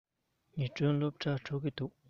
ཉི སྒྲོན སློབ གྲྭར འགྲོ གི འདུག